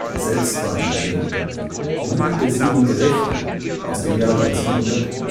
Setzwein, Buch der sieben Gerechten (1999